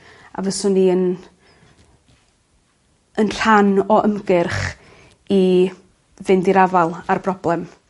A fyswn i yn yn rhan o ymgyrch i fynd i'r afa'l â'r broblem.